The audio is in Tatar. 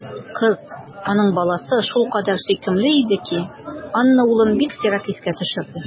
Кыз, аның баласы, шулкадәр сөйкемле иде ки, Анна улын бик сирәк искә төшерде.